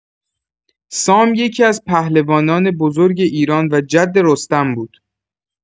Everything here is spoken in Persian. سام یکی‌از پهلوانان بزرگ ایران و جد رستم بود.